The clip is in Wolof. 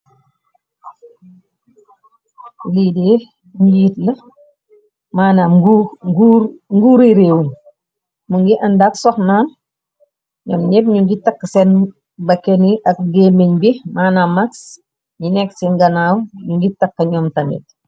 Liide njiit la manam nguuri réewuñ mu ngi andaak soxnaan ñoom ñépp ñu ngi takk seen ba keni ak géméñ bi manam mags ñi nekk sen ganaaw ñu ngi takk ñoom tamit.